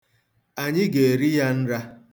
Anyị ga-eri ya nra.